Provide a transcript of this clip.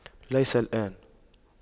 ليس الآن